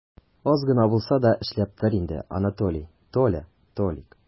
Аз гына булса да эшләп тор инде, Анатолий, Толя, Толик!